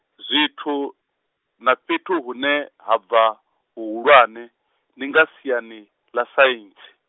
zwithu, na fhethu hune, ha bva, huhulwane, ndi nga siyani, ḽa saentsi.